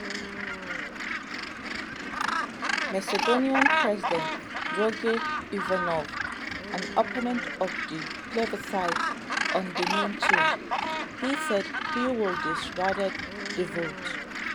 Macedonian President Gjorge Ivanov, an opponent of the plebiscite on the name change, has said he will disregard the vote.